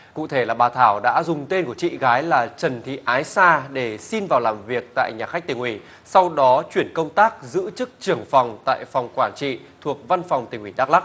cụ thể là bà thảo đã dùng tên của chị gái là trần thị ái xa để xin vào làm việc tại nhà khách tỉnh ủy sau đó chuyển công tác giữ chức trưởng phòng tại phòng quảng trị thuộc văn phòng tỉnh ủy đắc lắc